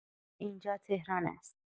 اینجا تهران است.